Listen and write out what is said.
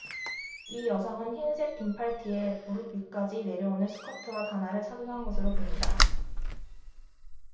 이 여성은 흰색 긴팔 티에 무릎 위까지 내려오는 스커트와 단화를 착용한 것으로 보인다